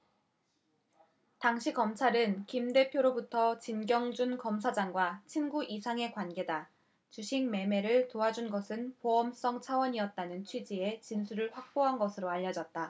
당시 검찰은 김 대표로부터 진경준 검사장과 친구 이상의 관계다 주식 매매를 도와준 것은 보험성 차원이었다는 취지의 진술을 확보한 것으로 알려졌다